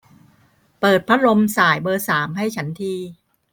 เปิดพัดลมส่ายเบอร์สามให้ฉันที